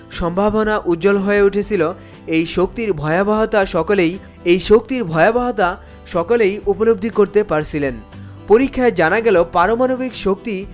শক্তির সম্ভাবনা উজ্জ্বল হয়ে উঠেছিল এই শক্তির ভয়াবহতা সকলেই এই শক্তির ভয়াবহতা সকলেই উপলব্ধি করতে পারছিলেন পরীক্ষায় জানা গেল পারমাণবিক শক্তি